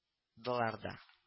Дылар да